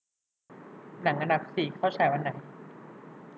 หนังอันดับสี่เข้าฉายวันไหน